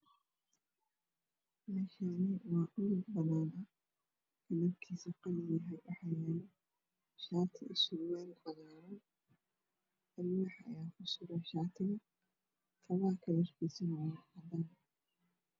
Meshaani waa dhul banan midabkiisu yahay qalin dhex yalo shati iyo surwal cagaaran alwax ayaa ku suran shatiha kabaha kalarkiisa waa cadan